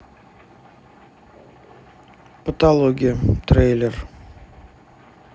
патология трейлер